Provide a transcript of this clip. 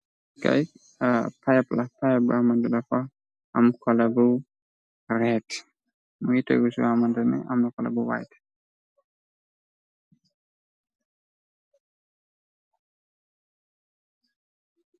gaypipe la pipe pipe bu xamannahni defa am color bu xongo mingi tego ci lo xamantahni dafa am color bu weex.